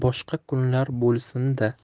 boshqa kunlar bo'lsin da